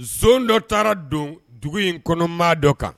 Sɔn dɔ taara don dugu in kɔnɔmaa dɔ kan